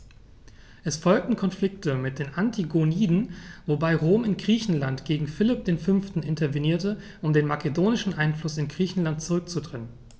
Es folgten Konflikte mit den Antigoniden, wobei Rom in Griechenland gegen Philipp V. intervenierte, um den makedonischen Einfluss in Griechenland zurückzudrängen.